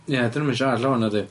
Ie, 'dan nw'm yn siarad lawer nadi?